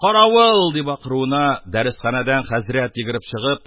Караууул!.. — дип акыруына дәресханәдән хәзрәт йөгереп чыгып,